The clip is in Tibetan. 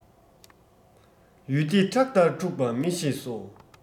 ཡུལ སྡེ ཁྲག ལྟར འཁྲུག པ མི ཤེས སོ